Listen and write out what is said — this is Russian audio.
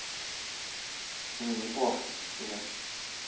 ну неплохо спасибо